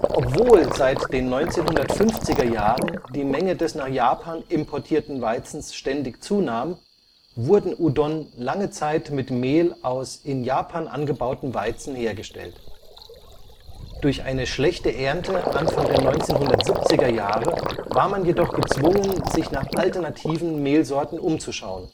Obwohl seit den 1950er Jahren die Menge des nach Japan importierten Weizens ständig zunahm, wurden Udon lange Zeit mit Mehl aus in Japan angebautem Weizen hergestellt. Durch eine schlechte Ernte Anfang der 1970er Jahre war man jedoch gezwungen, sich nach alternativen Mehlsorten umzuschauen